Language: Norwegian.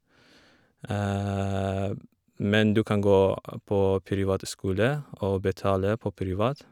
Men du kan gå på privat skole og betale på privat.